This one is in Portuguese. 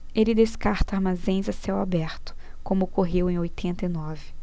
ele descarta armazéns a céu aberto como ocorreu em oitenta e nove